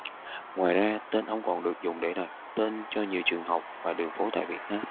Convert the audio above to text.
ngoài ra tên ông còn được dùng để đặt tên cho nhiều trường học và đường phố tại việt nam